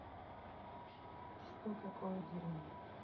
что такое дерьмо